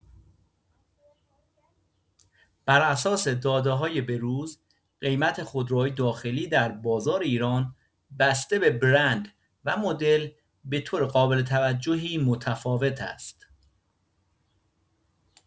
بر اساس داده‌های به‌روز، قیمت خودروهای داخلی در بازار ایران بسته به برند و مدل، به‌طور قابل توجهی متفاوت است.